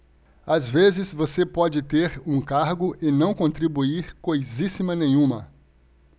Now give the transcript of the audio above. às vezes você pode ter um cargo e não contribuir coisíssima nenhuma